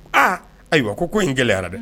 Aa ayiwa ko in gɛlɛyayara dɛ